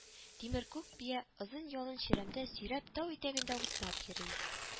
Тимер күк бия озын ялын чирәмдә сөйрәп тау итәгендә утлап йөри